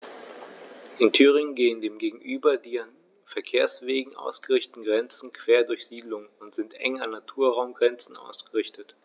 In Thüringen gehen dem gegenüber die an Verkehrswegen ausgerichteten Grenzen quer durch Siedlungen und sind eng an Naturraumgrenzen ausgerichtet.